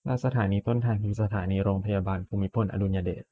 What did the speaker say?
ถ้าสถานีต้นทางคือสถานีโรงพยาบาลภูมิพลอดุลยเดช